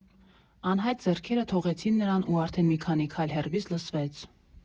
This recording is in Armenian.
Անհայտ ձեռքերը թողեցին նրան, ու արդեն մի քանի քայլ հեռվից լսվեց.